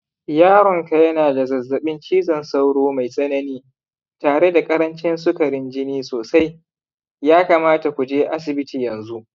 yaronka yana da zazzaɓin cizon sauro mai tsanani tare da karancin sukarin jini sosai, ya kamata ku je asibiti yanzu.